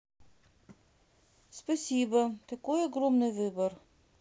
спасибо такой огромный выбор